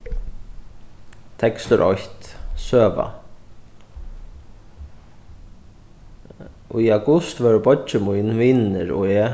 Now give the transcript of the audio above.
tekstur eitt søga í august vóru beiggi mín vinirnir og eg